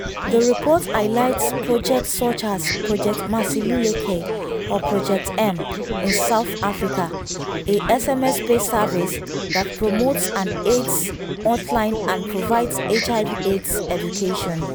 The report highlights projects such as Project Masiluleke (or Project M) in South Africa, a SMS-based service that promotes an AIDS hotline and provides HIV/AIDS education.